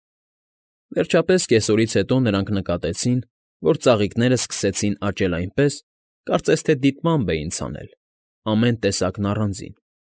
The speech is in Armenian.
Վերջապես կեսօրից հետո նրանք նկատեցին, որ ծաղիկներն սկսեցին աճել այնպես, կարծես թե դիտմամբ էին ցանել, ամեն տեսակն առանձին։